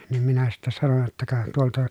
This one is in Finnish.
niin minä sitten sanoin jotta ka tuolta